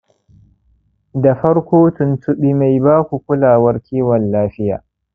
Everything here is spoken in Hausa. da farko tuntuɓi mai baku kulawar kiwon-lafiya